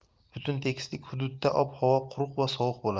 butun tekislik hududda ob havo quruq va sovuq bo'ladi